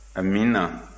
amiina